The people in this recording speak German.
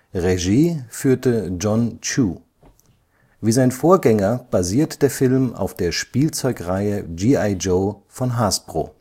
Regie führte Jon Chu. Wie sein Vorgänger basiert der Film auf der Spielzeugreihe G.I. Joe von Hasbro